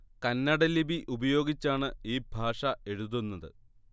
കന്നട ലിപി ഉപയോഗിച്ചാണ് ഈ ഭാഷ എഴുതുന്നത്